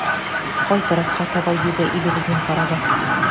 Кай тарафка таба йөзә илебезнең корабы?